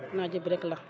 naaje bi rek la